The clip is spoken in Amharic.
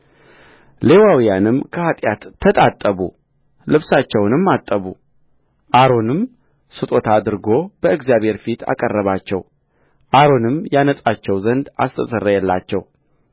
ሌዋውያንም ከኃጢአት ተጣጠቡ ልብሳቸውንም አጠቡ አሮንም ስጦታ አድርጎ በእግዚአብሔር ፊት አቀረባቸው አሮንም ያነጻቸው ዘንድ አስተሰረየላቸው